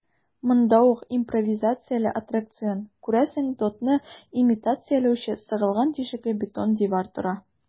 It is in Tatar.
Монда ук импровизацияле аттракцион - күрәсең, дотны имитацияләүче сыгылган тишекле бетон дивар тора.